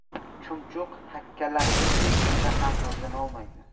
chumchuq hakkalashni yuz yilda ham o'rganolmaydi